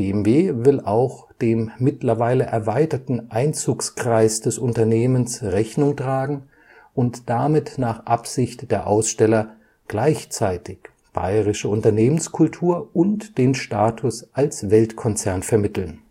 BMW will auch dem mittlerweile erweiterten Einzugskreis des Unternehmens Rechnung tragen und damit nach Absicht der Aussteller gleichzeitig bayerische Unternehmenskultur und den Status als Weltkonzern vermitteln